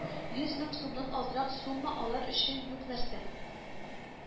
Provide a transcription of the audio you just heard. Йөз мең сумнан азрак сумма алар өчен юк нәрсә